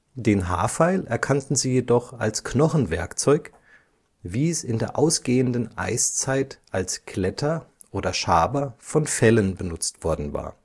Den Haarpfeil erkannten sie jedoch als Knochenwerkzeug, wie es in der ausgehenden Eiszeit („ Diluvium “) als Glätter oder Schaber von Fellen benutzt worden war